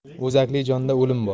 o'zakli jonda o'lim bor